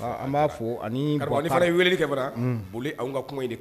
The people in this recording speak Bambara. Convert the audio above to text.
An b'a fɔ ani fana weeleli kɛ fana boli anw ka kuma